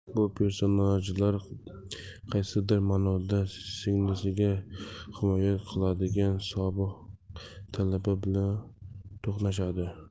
bu personajlar qaysidir manoda singlisini himoya qiladigan sobiq talaba bilan to'qnashadi